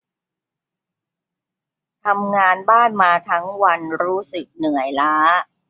ทำงานบ้านมาทั้งวันรู้สึกเหนื่อยล้า